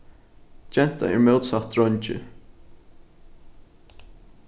genta er mótsatt dreingi